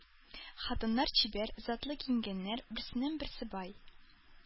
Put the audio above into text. Хатыннар чибәр, затлы киенгәннәр, берсеннән-берсе бай.